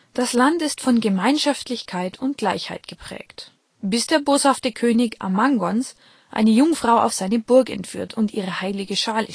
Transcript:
Das Land ist von Gemeinschaftlichkeit und Gleichheit geprägt, bis der boshafte König Amangons eine Jungfrau auf seine Burg entführt und ihre heilige Schale